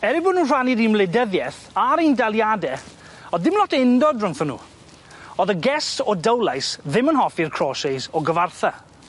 Er 'u bo' nw'n rhannu'r un wleidyddieth ar ein daliade o'dd ddim lot o undod rhwngthon nw. O'dd y Guests o Dowlais ddim yn hoffi'r Crauchete's o Gyfartha.